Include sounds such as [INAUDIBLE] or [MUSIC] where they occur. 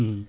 [HESITATION] [HESITATION]